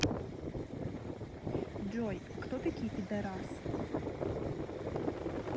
джой а кто такие пидарасы